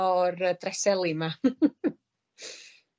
o'r yy dreseli 'ma.